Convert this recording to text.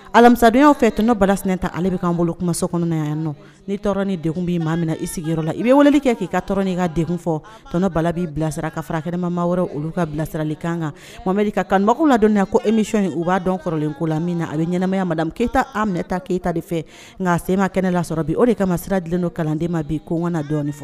Alamisadenw fɛ tɔnɔ balas ta ale bɛ k'an bolo kumaso kɔnɔna yan nɔ nii ni b'i maa min na i sigiyɔrɔ la i bɛ waleli kɛ' ii ka'i ka den fɔ tɔnɔ balala b'i bilasira ka fara kɛnɛmama wɛrɛ olu ka bilasirali kan kan mamari ka kanubagaw la dɔn ko emiyni u b'a dɔn kɔrɔlen ko la min a bɛ ɲɛnaɛnɛmaya keyita a minɛta keyita de fɛ nka sema kɛnɛ lasɔrɔ bi o de kama ma siralen don kalanden ma bi ko n kana dɔɔninɔni fɔ